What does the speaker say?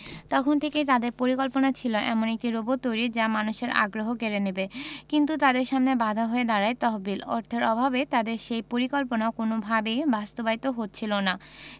তখন থেকেই তাদের পরিকল্পনা ছিল এমন একটি রোবট তৈরির যা মানুষের আগ্রহ কেড়ে নেবে কিন্তু তাদের সামনে বাধা হয়ে দাঁড়ায় তহবিল অর্থের অভাবে তাদের সেই পরিকল্পনা কোনওভাবেই বাস্তবায়িত হচ্ছিল না